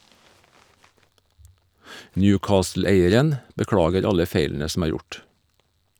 Newcastle-eieren beklager alle feilene som er gjort.